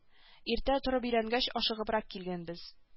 Иртә торып өйрәнгәч ашыгыбрак килгәнбез